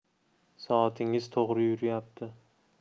soatingiz to'g'ri yurayapti